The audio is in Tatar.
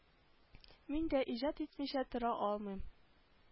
Мин дә иҗат итмичә тора алмыйм